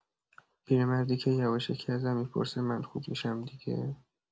پیرمردی که یواشکی ازم می‌پرسه من خوب می‌شم دیگه؟